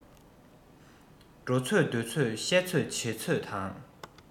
འགྲོ ཚོད སྡོད ཚོད བཤད ཚོད བྱེད ཚོད དང